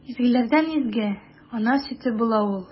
Изгеләрдән изге – ана сөте була икән ул!